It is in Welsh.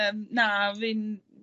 Yym na fi'n